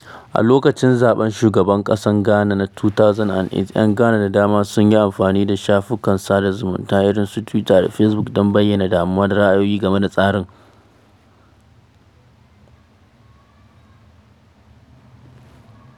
A lokacin zaɓen shugaban ƙasan Ghana na 2008, 'yan Ghana da dama sun yi amfani da shafukan sada zumunta irin su Twitter da Facebook don bayyana damuwa da ra’ayoyi game da tsarin.